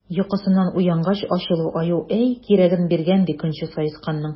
Йокысыннан уянгач, ачулы Аю әй кирәген биргән, ди, көнче Саесканның!